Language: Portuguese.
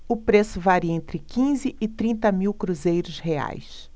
o preço varia entre quinze e trinta mil cruzeiros reais